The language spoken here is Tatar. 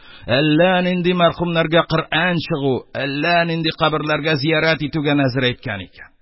Әллә нинди мәрхүмнәргә коръән чыгу, әллә нинди каберләргә зират итүгә нәзер әйткән икән.